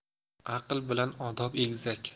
aql bilan odob egizak